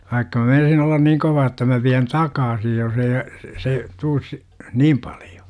vaikka minä meinasin olla niin kovaa jotta minä vien takaisin jos ei se tule siitä niin paljon